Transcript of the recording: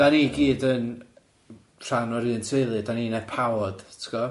Dan ni gyd yn, rhan o'r un teulu dan ni'n empowered tibod?